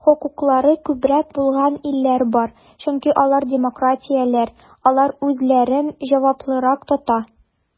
Хокуклары күбрәк булган илләр бар, чөнки алар демократияләр, алар үзләрен җаваплырак тота.